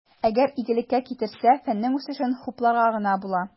Әгәр игелеккә китерсә, фәннең үсешен хупларга гына була.